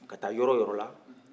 ka taa yɔrɔ o yɔrɔ la